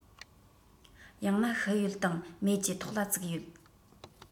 ཡང ན ཤི ཡོད དང མེད ཀྱི ཐོག ལ བཙུགས ཡོད